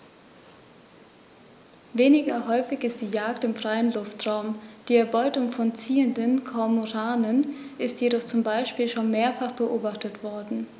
Weniger häufig ist die Jagd im freien Luftraum; die Erbeutung von ziehenden Kormoranen ist jedoch zum Beispiel schon mehrfach beobachtet worden.